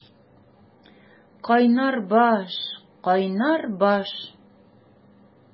Кайнар баш, кайнар баш!